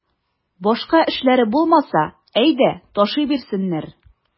Башка эшләре булмаса, әйдә ташый бирсеннәр.